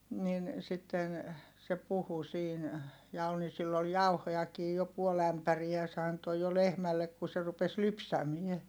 niin sitten se puhui siinä ja oli niin sillä oli jauhojakin jo puoli ämpäriä se antoi jo lehmälle kun se rupesi lypsämään